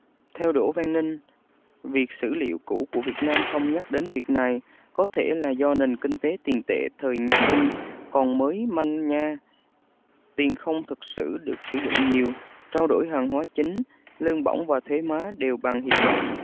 theo đỗ văn ninh việc sử liệu cũ của việt nam không nhắc đến việc này có thể là do nền kinh tế tiền tệ thời nhà đinh còn mới manh nha tiền không thực sử được sử dụng nhiều trao đổi hàng hóa là chính lương bổng và thuế má đều bằng hiện vật